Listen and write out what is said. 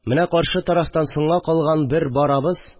Менә каршы тарафтан соңга калган бер барабыз